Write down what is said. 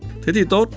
thế thì tốt